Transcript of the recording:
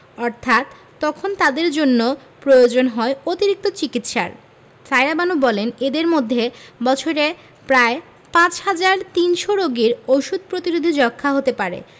অর্থাৎ তখন তাদের জন্য প্রয়োজন হয় অতিরিক্ত চিকিৎসার সায়েরা বানু বলেন এদের মধ্যে বছরে প্রায় ৫ হাজার ৩০০ রোগীর ওষুধ প্রতিরোধী যক্ষ্মা হতে পারে